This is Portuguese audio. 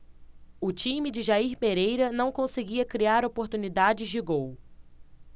o time de jair pereira não conseguia criar oportunidades de gol